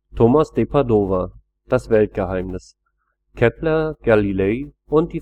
Thomas De Padova: Das Weltgeheimnis: Kepler, Galilei und